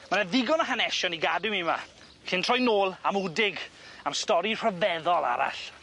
Ma' 'na ddigon o hanesion i gadw fi 'ma cyn troi nôl am Wdig am stori rhyfeddol arall.